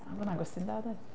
Oedd hwnna'n gwestiwn da doedd.